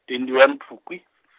twenty one Phukwi .